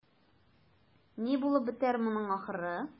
Ни булып бетәр моның ахыры?